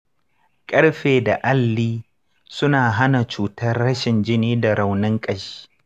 karfe da alli suna hana cutar rashin jini da raunin ƙashi.